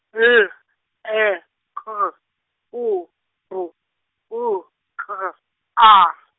L, E, K, U, B, U, K, A.